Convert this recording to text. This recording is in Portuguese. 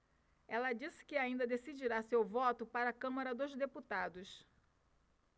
ela disse que ainda decidirá seu voto para a câmara dos deputados